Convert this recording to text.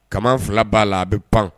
Kaman 2 b'a la a bɛ pan